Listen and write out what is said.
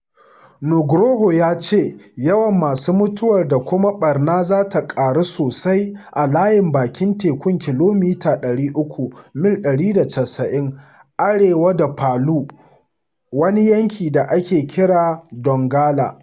Nugroho ya ce yawan masu mutuwar da kuma ɓarnar zata ƙaru sosai a layin bakin teku kilomita 300 (mil 190) arewa da Palu, wani yanki da ake kira Donggala,